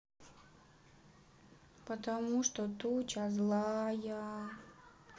потому что туча злая